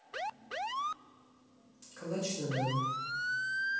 калач на дону